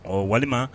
Ɔ walima